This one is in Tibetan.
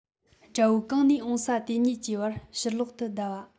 དགྲ བོ གང ནས འོངས ས དེ ཉིད ཀྱི བར ཕྱིར ལོག ཏུ བདའ བ